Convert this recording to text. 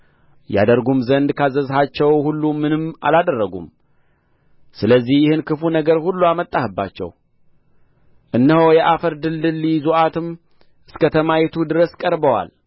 ያደርጉም ዘንድ ካዘዝሃቸው ሁሉ ምንም አላደረጉም ስለዚህ ይህን ክፉ ነገር ሁሉ አመጣህባቸው እነሆ የአፈር ድልድል ሊይዙአትም እስከ ከተማይቱ ድረስ ቀርበዋል